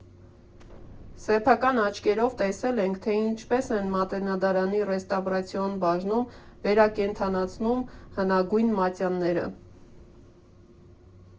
Սեփական աչքերով տեսել ենք, թե ինչպես են Մատենադարանի ռեստավրացիոն բաժնում վերակենդանացնում հնագույն մատյանները։